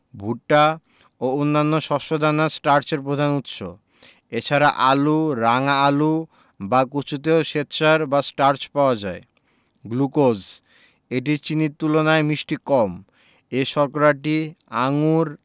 ভুট্টা এবং অন্যান্য শস্য দানা স্টার্চের প্রধান উৎস এছাড়া আলু রাঙা আলু বা কচুতেও শ্বেতসার বা স্টার্চ পাওয়া যায় গ্লুকোজ এটি চিনির তুলনায় মিষ্টি কম এই শর্করাটি আঙুর